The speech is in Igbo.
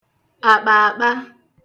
àkpààkpa